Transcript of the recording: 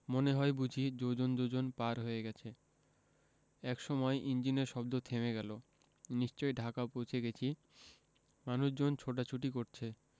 মনে হয় বুঝি যোজন যোজন পার হয়ে গেছে একসময় ইঞ্জিনের শব্দ থেমে গেলো নিশ্চয়ই ঢাকা পৌঁছে গেছি মানুষজন ছোটাছুটি করছে